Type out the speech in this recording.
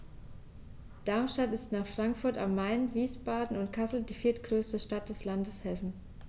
Darmstadt ist nach Frankfurt am Main, Wiesbaden und Kassel die viertgrößte Stadt des Landes Hessen